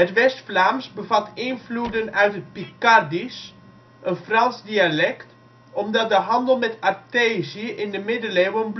West-Vlaams bevat invloeden uit het Picardisch, een Frans dialect, omdat de handel met Artesië in de Middeleeuwen